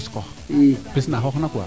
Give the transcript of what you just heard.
pis ox pis na xox na quoi